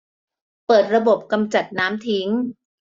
เปิดระบบกำจัดน้ำทิ้ง